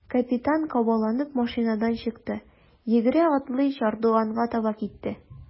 Капитан кабаланып машинадан чыкты, йөгерә-атлый чардуганга таба китте.